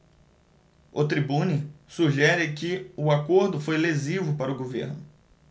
o tribune sugere que o acordo foi lesivo para o governo